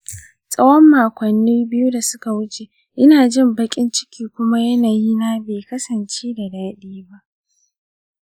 tsawon makonni biyu da suka wuce, ina jin baƙin ciki kuma yanayina bai kasance da daɗi ba.